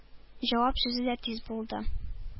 Җавап сүзе дә тиз булды.